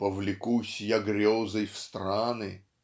"повлекусь я грезой в страны".